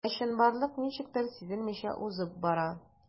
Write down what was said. Ә чынбарлык ничектер сизелмичә узып бара.